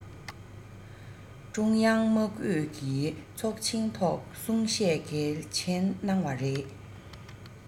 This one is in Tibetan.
ཀྲུང དབྱང དམག ཨུད ཀྱི ཚོགས ཆེན ཐོག གསུང བཤད གལ ཆེན གནང བ རེད